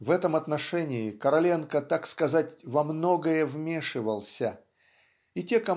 В этом отношении Короленко, так сказать, во многое вмешивался и те